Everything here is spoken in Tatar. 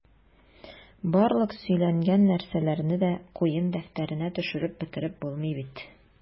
Барлык сөйләнгән нәрсәләрне дә куен дәфтәренә төшереп бетереп булмый бит...